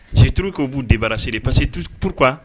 Seturu ko b'u de bararase pa queur